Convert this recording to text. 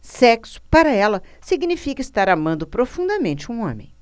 sexo para ela significa estar amando profundamente um homem